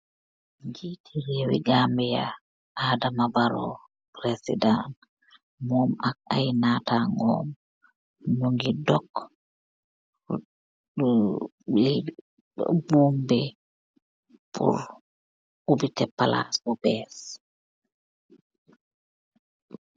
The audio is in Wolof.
jitti rewumi Gambia Adama Barrow ak ayyi natankgom di oubi palas bu behse.